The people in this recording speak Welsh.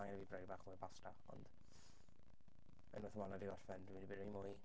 Mae angen i fi brynu bach mwy o basta ond unwaith ma' hwnna 'di gorffen dwi mynd i brynu mwy